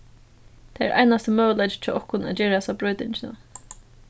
tað er einasti møguleiki hjá okkum at gera hasa broytingina